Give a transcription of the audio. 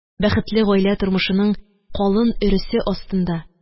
Бәхетле гаилә тормышының калын өресе астында